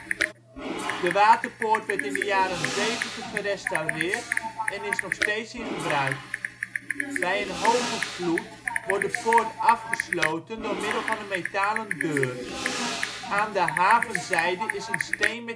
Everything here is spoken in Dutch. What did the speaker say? De Waterpoort werd in de jaren 70 gerestaureerd en is nog steeds in gebruik. Bij een hoge vloed wordt de poort afgesloten door middel van een metalen deur. Aan de havenzijde is een steen